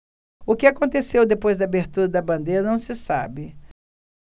o que aconteceu depois da abertura da bandeira não se sabe